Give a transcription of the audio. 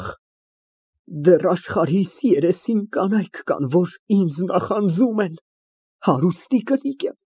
Ախ, դեռ աշխարհիս երեսին կանայք կան, որ ինձ նախանձում են, հարուստի կին եմ։